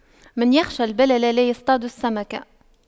من يخشى البلل لا يصطاد السمك